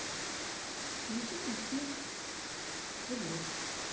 включи мультфильм эверест